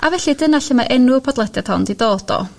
a felly dyna lle ma' enw podlediad hon 'di dod o